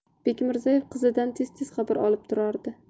bekmirzaev qizdan tez tez xabar olib turadi